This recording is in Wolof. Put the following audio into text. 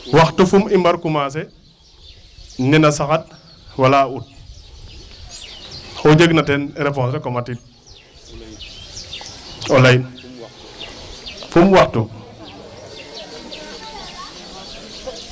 waxtu